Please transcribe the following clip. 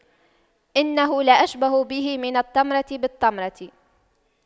إنه لأشبه به من التمرة بالتمرة